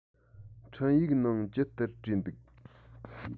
འཕྲིན ཡིག ནང ཅི ལྟར བྲིས འདུག